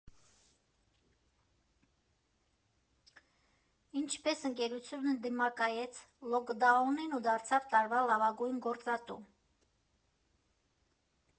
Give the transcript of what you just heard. Ինչպես ընկերությունը դիմակայեց լոքդաունին ու դարձավ տարվա լավագույն գործատու։